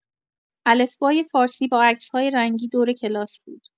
الفبای فارسی با عکس‌های رنگی دور کلاس بود.